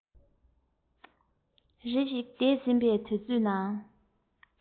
རེ ཞིག ན འདས ཟིན པའི དུས ཚོད ནང